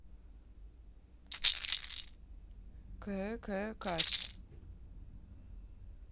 c c catch